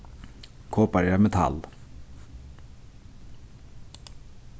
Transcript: kopar er eitt metal